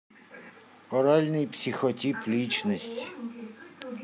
оральный психотип личности